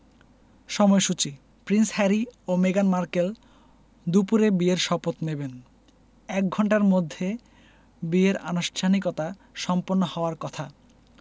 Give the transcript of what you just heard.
সময়সূচি Prince Harry ও মেগান মার্কেল দুপুরে বিয়ের শপথ নেবেন এক ঘণ্টার মধ্যে বিয়ের আনুষ্ঠানিকতা সম্পন্ন হওয়ার কথা